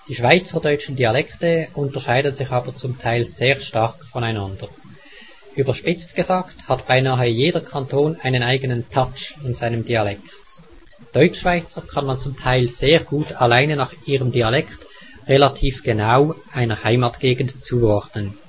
schweizerdeutschen Dialekte unterscheiden sich aber zum Teil sehr stark voneinander. Überspitzt gesagt hat beinahe jeder Kanton einen eigenen " Touch " in seinem Dialekt. Deutschschweizer kann man zum Teil sehr gut alleine nach ihrem Dialekt relativ genau einer Heimatgegend zuordnen